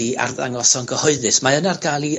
i arddangos o'n gyhoeddus. Mae yn ar gael i...